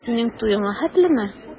Синең туеңа хәтлеме?